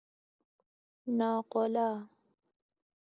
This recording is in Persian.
ناقلا